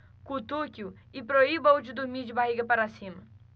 cutuque-o e proíba-o de dormir de barriga para cima